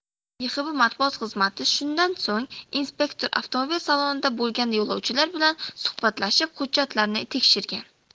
yhxb matbuot xizmatishundan so'ng inspektorlar avtomobil salonida bo'lgan yo'lovchilar bilan suhbatlashib hujjatlarini tekshirgan